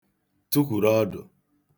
tukwùru ọdụ̀